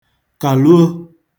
kwulù